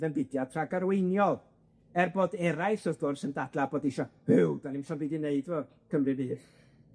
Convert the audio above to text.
yn fudiad rhagarweiniol, er bod eraill wrth gwrs yn dadla bod isio, Duw, 'dan ni'm isio 'im byd i neud efo Cymru Fydd,